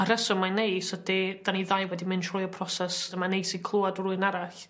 A rheswm mae'n neis ydi 'dan ni ddau wedi mynd trwy y proses a mae neis i clwad rywun arall